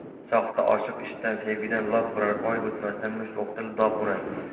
soxta oshiq ishq sevgidan lof urar oy o'tmasdan musht o'qtalib do'q urar